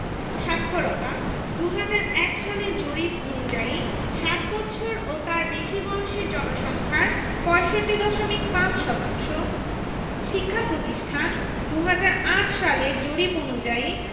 সাক্ষরতাঃ ২০০১ সালের জরিপ অনুযায়ী সাত বৎসর ও তার বেশি বয়সের জনসংখ্যার ৬৫.৫ শতাংশ শিক্ষাপ্রতিষ্ঠানঃ ২০০৮ সালের জরিপ অনুযায়ী